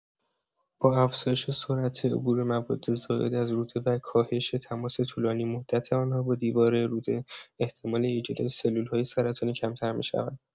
با افزایش سرعت عبور مواد زائد از روده و کاهش تماس طولانی‌مدت آنها با دیواره روده، احتمال ایجاد سلول‌های سرطانی کمتر می‌شود.